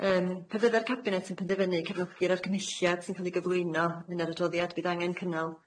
Yym pe fydde'r cabinet yn penderfynu cefnogi'r argymhelliad sy'n ca'l ei gyflwyno yn yr adroddiad bydd angen cynnal